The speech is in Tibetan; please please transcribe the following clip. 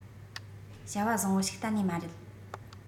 བྱ བ བཟང པོ ཞིག གཏན ནས མ རེད